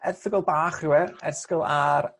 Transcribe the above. erthygl bach yw e ersygl ar